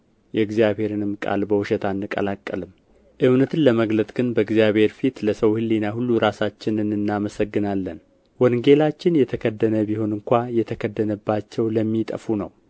የእግዚአብሔርንም ቃል በውሸት አንቀላቅልም እውነትን በመግለጥ ግን በእግዚአብሔር ፊት ለሰው ሕሊና ሁሉ ራሳችንን እናመሰግናለን ወንጌላችን የተከደነ ቢሆን እንኳ የተከደነባቸው ለሚጠፉ ነው